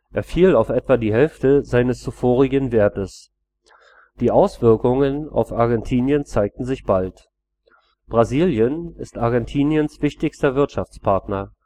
Er fiel auf etwa die Hälfte seines zuvorigen Wertes. Die Auswirkungen auf Argentinien zeigten sich bald. Brasilien ist Argentiniens wichtigster Wirtschaftspartner